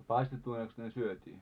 paistettuinakos ne syötiin